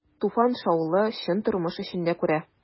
Туфан шаулы, чын тормыш эчендә күрә.